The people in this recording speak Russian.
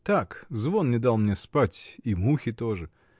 — Так, звон не дал мне спать, и мухи тоже.